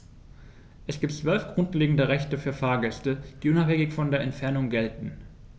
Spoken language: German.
Es gibt 12 grundlegende Rechte für Fahrgäste, die unabhängig von der Entfernung gelten.